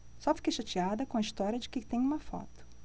só fiquei chateada com a história de que tem uma foto